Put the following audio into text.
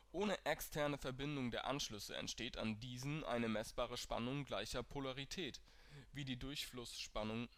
Ohne externe Verbindung der Anschlüsse entsteht an diesen eine messbare Spannung gleicher Polarität wie die Durchflussspannung